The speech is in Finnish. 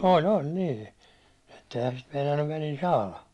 oli oli niin että eihän sitä meinannut välillä saada